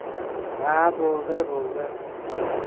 ha bo'ldi bo'ldi